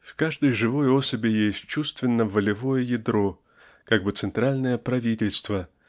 В каждой живой особи есть чувственно-волевое ядро как бы центральное правительство